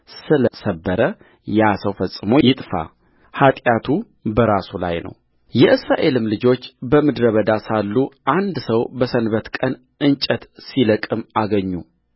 ስለ ሰበረ ያ ሰው ፈጽሞ ይጥፋ ኃጢአቱ በራሱ ላይ ነውየእስራኤልም ልጆች በምድረ በዳ ሳሉ አንድ ሰው በሰንበት ቀን እንጨት ሲለቅም አገኙ